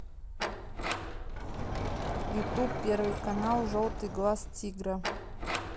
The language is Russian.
ютуб первый канал желтый глаз тигра